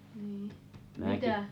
niin mitä